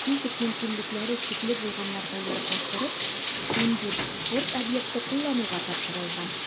Физик мөмкинлекләре чикле булганнарга яраклаштырып, 14 спорт объекты куллануга тапшырылган.